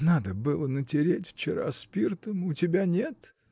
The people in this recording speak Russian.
— Надо было натереть вчера спиртом: у тебя нет?